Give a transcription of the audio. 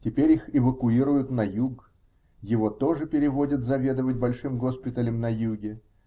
Теперь их эвакуируют на юг, его тоже переводят заведовать большим госпиталем на юге.